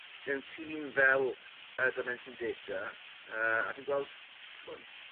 mewn tîm fel yy Dimension Data yy a dwi'n gweld t'mod